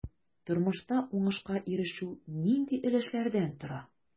Тормышта уңышка ирешү нинди өлешләрдән тора?